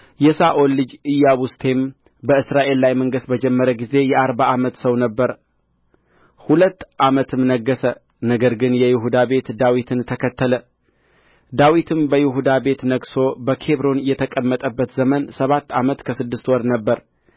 የሳኦል ልጅ ኢያቡስቴም በእስራኤል ላይ መንገሥ በጀመረ ጊዜ የአርባ ዓመት ሰው ነበረ ሁለት ዓመትም ነገሠ ነገር ግን የይሁዳ ቤት ዳዊትን ተከተለ ዳዊትም በይሁዳ ቤት ነግሦ በኬብሮን የተቀመጠበት ዘመን ሰባት ዓመት ከስድስት ወር ነበረ